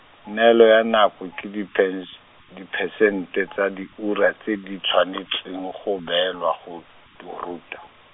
neelo ya nako ke diphens- diphesente tsa diura tse di tshwanetseng go beelwa go, tu ruta.